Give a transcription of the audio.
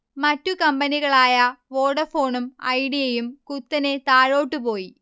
മറ്റു കമ്പനികളായ വോഡഫോണും ഐഡിയയും കുത്തനെ താഴോട്ടുപോയി